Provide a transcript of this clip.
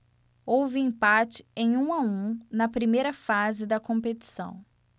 houve empate em um a um na primeira fase da competição